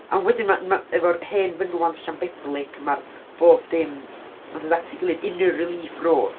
A wedyn mae... mae... efo'r hen fynwent Llanbeblig, mae'r bob dim yn dod at ei gilydd, Inner Relief Road.